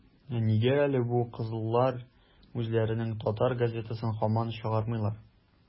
- нигә әле бу кызыллар үзләренең татар газетасын һаман чыгармыйлар?